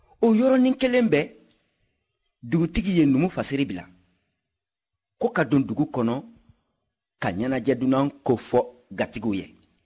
o yɔrɔnin kelen bɛɛ dugutigi ye numufaseri bila k'o ka don dugu kɔnɔ ka ɲɛnajɛdunan kofɔ gatigiw ye